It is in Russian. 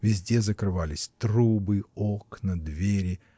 Везде закрывались трубы, окна, двери.